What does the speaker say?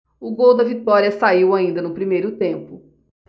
o gol da vitória saiu ainda no primeiro tempo